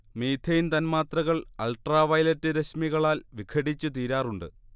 methane തന്മാത്രകൾ ultraviolet രശ്മികളാൽ വിഘടിച്ച് തീരാറുണ്ട്